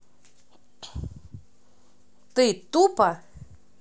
ты тупо